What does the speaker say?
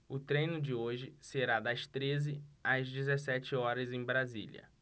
o treino de hoje será das treze às dezessete horas em brasília